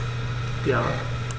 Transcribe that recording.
Ja.